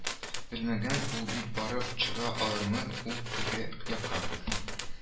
Белмәгән юл бит, барып чыга алырмы ул теге якка